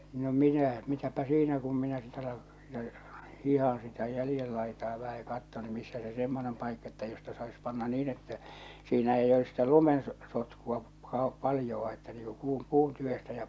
no minä mitäpä siinä kun minä sitten alan ja hiihdän sitä jäljen laitaa vähän ja katson nyt missä se semmoinen paikka että josta saisi panna niin että siinä ei olisi sitä lumen - sotkua - paljoa - että niin kuin puu puun tyvestä ja